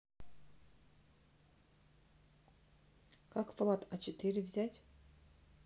как влад а четыре взять